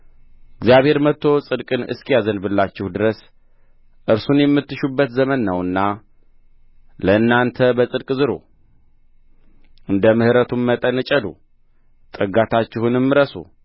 እግዚአብሔር መጥቶ ጽድቅን እስኪያዘንብላችሁ ድረስ እርሱን የምትሹበት ዘመን ነውና ለእናንተ በጽድቅ ዝሩ እንደ ምሕረቱም መጠን እጨዱ ጥጋታችሁንም እረሱ